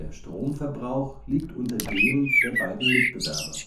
Stromverbrauch liegt unter dem der beiden Mitbewerber